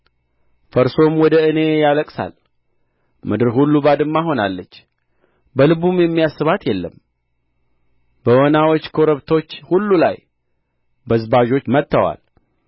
ፈርሶም ወደ እኔ ያለቅሳል ምድር ሁሉ ባድማ ሆናለች በልቡም የሚያስባት የለም በወናዎች ኮረብቶች ሁሉ ላይ በዝባዦች መጥተዋል